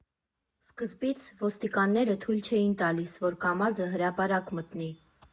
Սկզբից ոստիկանները թույլ չէին տալիս, որ Կամազը հրապարակ մտնի։